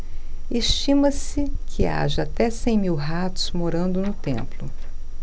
estima-se que haja até cem mil ratos morando no templo